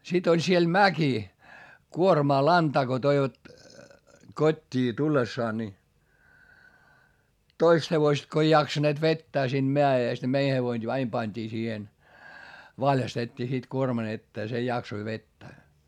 sitten oli siellä mäki kuormaa lantaa kun toivat kotiin tullessaan niin toista hevosta kun ei jaksaneet vetää siitä mäestä niin meidän hevonen aina pantiin siihen valjastettiin sitten kuorman eteen se jaksoi vetää